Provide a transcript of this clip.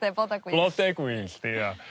...'de floda gwyllt. Blode gwyllt ia.